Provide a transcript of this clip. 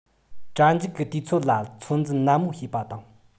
དྲ འཇུག གི དུས ཚོད ལ ཚོད འཛིན ནན མོ བྱེད པ དང